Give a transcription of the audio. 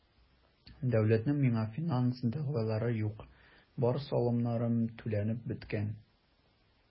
Дәүләтнең миңа финанс дәгъвалары юк, бар салымнарым түләнеп беткән.